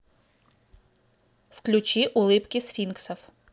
включи улыбки сфинксов